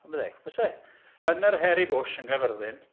Yn byddai... Byse... Yn yr Hairy Bush yn Gaerfyrddin...